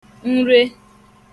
nrē